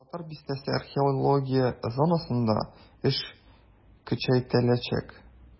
"татар бистәсе" археология зонасында эш көчәйтеләчәк.